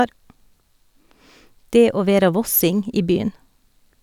Det å vera vossing i by'n.